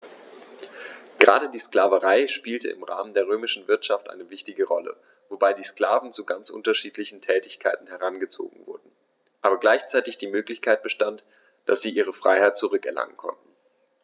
Gerade die Sklaverei spielte im Rahmen der römischen Wirtschaft eine wichtige Rolle, wobei die Sklaven zu ganz unterschiedlichen Tätigkeiten herangezogen wurden, aber gleichzeitig die Möglichkeit bestand, dass sie ihre Freiheit zurück erlangen konnten.